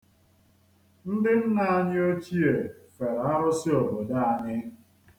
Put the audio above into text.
Ndị nna anyị ochie fere arụsị obodo anyị.